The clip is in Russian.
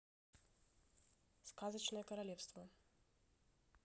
сказочное королевство